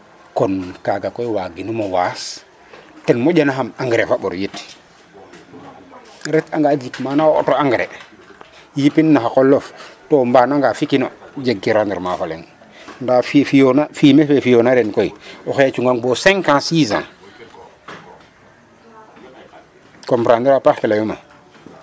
Kon kaaga koy waaginum o waas ten moƴanaxam engrais fa mborit retanga jik mana o auto engrais yipin na xa qolof to mbaanaga fi'kino jegkee rendement fa leŋ ndaa fe fi'oona fumier fe fi'oona ren koy oxey cungang bo 5 ans 6 ans comprendre a paax ke layuuma .